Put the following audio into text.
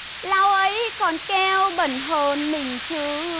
lão ấy còn keo bẩn hơn mình chứ